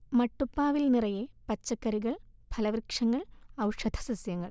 മട്ടുപ്പാവിൽ നിറയെ പച്ചക്കറികൾ, ഫലവൃക്ഷങ്ങൾ, ഔഷധ സസ്യങ്ങൾ